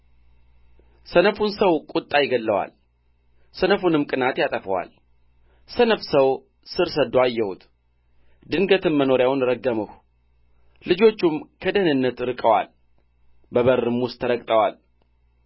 ሰነፉን ሰው ቍጣ ይገድለዋል ሰነፉንም ቅንዓት ያጠፋዋል ሰነፍ ሰው ሥር ሰድዶ አየሁት ድንገትም መኖሪያውን ረገምሁ ልጆቹም ከደኅንነት ርቀዋል በበርም ውስጥ ተረግጠዋል